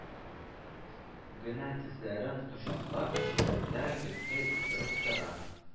Генә, тезләрен кочаклап, чирәмдә гөлкәй утырып тора